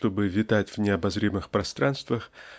чтобы витать в необозримых пространствах